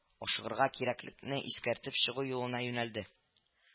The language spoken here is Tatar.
Ашыгырга кирәклекне искәртеп чыгу юлына юнәлде